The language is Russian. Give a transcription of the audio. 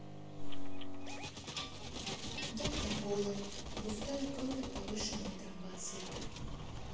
доктор голод густая кровь и повышенные тромбоциты